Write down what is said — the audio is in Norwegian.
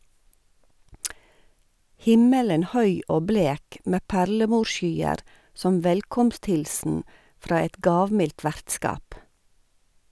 Himmelen høy og blek, med perlemorsskyer som velkomsthilsen fra et gavmildt vertskap.